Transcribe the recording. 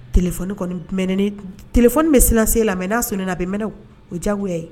T bɛ sina sen la mɛ n'a sɔnnaina bɛ mɛnw o jangoya ye